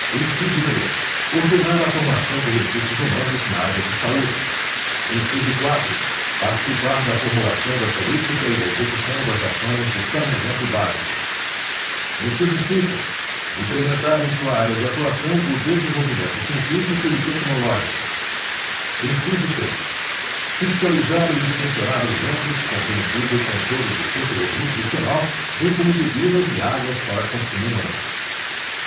inciso três ordenar a formação de recursos humanos na área de saúde inciso quatro participar da formulação da política e da execução das ações de saneamento básico inciso cinco incrementar em sua área de atuação o desenvolvimento científico e tecnológico inciso seis fiscalizar e inspecionar alimentos compreendido o controle de seu teor nutricional bem como bebidas e águas para consumo humano